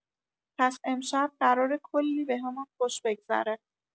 پس امشب قراره کلی بهمون خوش بگذره!